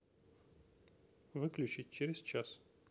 выключить через час